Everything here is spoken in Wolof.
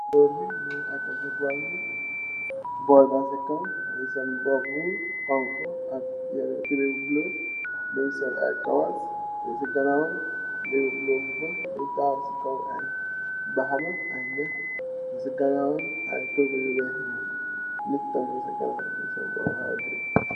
The man is sitting on the bench. There's a ball up and he's wearing a red vest and blue trousers. He's wearing socks and there are others standing behind him with similar outfit and they're standing on Bahama grass. There are white chairs behind them.